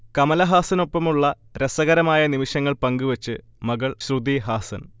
കമലഹാസനൊപ്പമുള്ള രസകരമായ നിമിഷങ്ങൾ പങ്കുവെച്ച് മകൾ ശ്രുതി ഹാസൻ